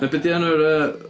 Be 'di enw'r yy...